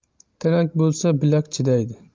tilak bo'lsa bilak chidaydi